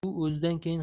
u o'zidan keyin